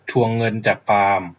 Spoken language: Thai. ทวงเงินจากปาล์ม